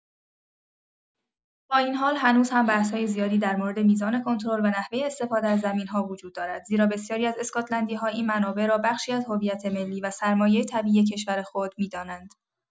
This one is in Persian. با این حال، هنوز هم بحث‌های زیادی در مورد میزان کنترل و نحوه استفاده از این زمین‌ها وجود دارد، زیرا بسیاری از اسکاتلندی‌ها این منابع را بخشی از هویت ملی و سرمایه طبیعی کشور خود می‌دانند.